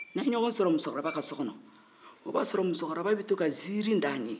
n'an ye ɲɔgɔ sɔrɔ musokɔrɔba ka so kɔnɔ o b'a sɔrɔ musokɔrɔba bɛ to ka ziiri da an ye